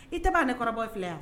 I tɛbaa ni kɔrɔbɔ filɛ yan